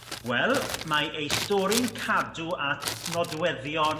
Wel mae ei stori'n cadw at nodweddion